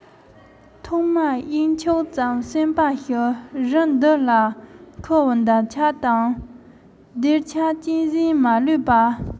ཐུགས མ གཡེང ཁྱུག ཙམ གསོན པར ཞུ རི འདི ལ འཁོར བའི འདབ ཆགས དང སྡེར ཆགས གཅན གཟན མ ལུས པ